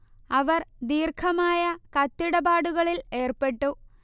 അവർ ദീർഘമായ കത്തിടപാടുകളിൽ ഏർപ്പെട്ടു